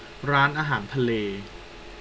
ร้านอาหารทะเล